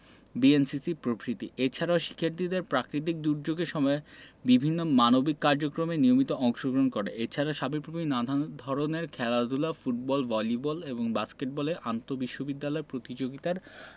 BNCC প্রভৃতি এছাড়া শিক্ষার্থীরা প্রাকৃতিক দূর্যোগের সময় বিভিন্ন মানবিক কার্যক্রমে নিয়মিত অংশগ্রহণ করে এছাড়া সাবিপ্রবি নানা ধরনের খেলাধুলা ফুটবল ভলিবল এবং বাস্কেটবলে আন্তঃবিশ্ববিদ্যালয় প্রতিযোগিতার